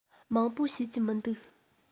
མང པོ ཤེས ཀྱི མི འདུག